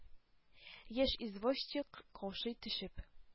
Яшь извозчик, каушый төшеп,